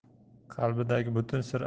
qalbidagi butun sir